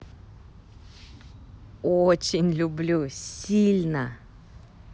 очень люблю сильно